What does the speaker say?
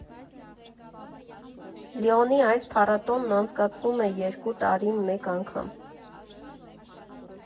Լիոնի այս փառատոնն անցկացվում է երկու տարին մեկ անգամ։